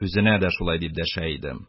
Үзенә дә шулай дип дәшә идем.